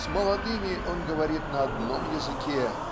С молодыми он говорит на одном языке